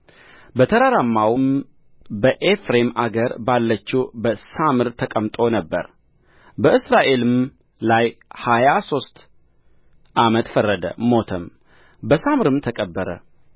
በተራራማውም በኤፍሬም አገር ባለችው በሳምር ተቀምጦ ነበር በእስራኤልም ላይ ሀያ ሦስት ዓመት ፈረደ ሞተም በሳምርም ተቀበረ